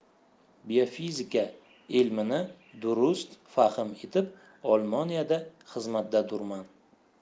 biofizika ilmini durust fahm etib olmoniyada xizmatdadurman